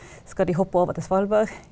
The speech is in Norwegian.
skal de hoppe over til Svalbard?